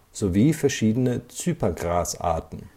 sowie verschiedene Zypergras-Arten